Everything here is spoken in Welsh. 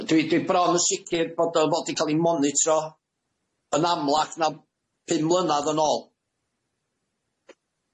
Yy dwi dwi bron yn sicir bod o fod i ca'l i monitro yn amlach na'n pum mlynadd yn ôl.